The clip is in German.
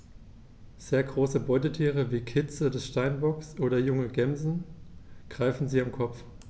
Sehr große Beutetiere wie Kitze des Steinbocks oder junge Gämsen greifen sie am Kopf.